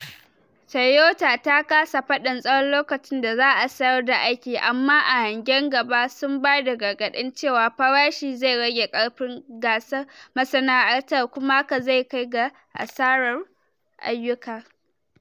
Toyota ta kasa fadan tsawon lokacin da za a sayar da aiki, amma a hangen gaba, sun bada gargadin cewa farashi zai rage karfin gasar masana’antar kuma hakan zai kai ga asarar ayyuka.